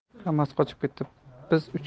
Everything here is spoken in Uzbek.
hammasi qochib ketdi biz uch